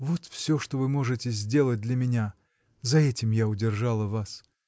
Вот всё, что вы можете сделать для меня: за этим я удержала вас!